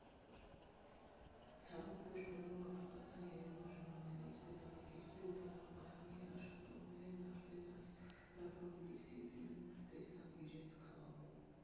Ցավոք, ոչ բոլորը կարողացան Երևան ժամանել, ու Ստեփանակերտի օդանավակայանի աշխատողներն արդեն այս տարվա հուլիսին ֆիլմը տեսան՝ իրենց քաղաքում։